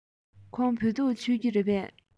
ཁོང བོད ཐུག མཆོད ཀྱི རེད པས